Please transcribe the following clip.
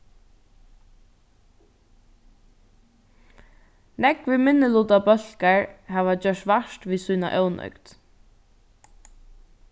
nógvir minnilutabólkar hava gjørt vart við sína ónøgd